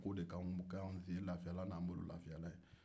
k'o de kɛ an sen lafiyalan n'an bolo lafiyalan ye